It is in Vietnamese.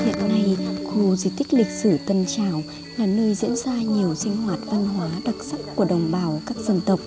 hiện nay khu di tích lịch sử tân trào là nơi diễn ra nhiều sinh hoạt văn hóa đặc sắc của đồng bào các dân tộc